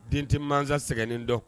Den tɛ mansasa sɛgɛnnen dɔn